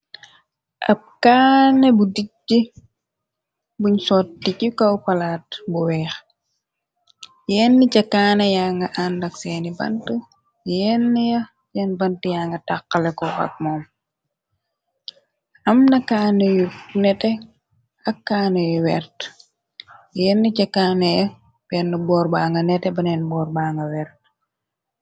Ab kaane bu dijj buñ sotti ci kaw palaat bu weex yenn ca kaane ya nga àndak seeni bant yenn a yenn bant ya nga taxxale ko ak moom am na kaanu yu nete ak kaane yu wert yenn ca kanneya penn boorbanga nete baneen boorbanga wert.